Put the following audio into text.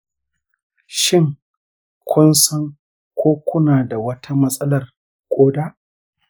shin kun san ko kuna da wata matsalar koda?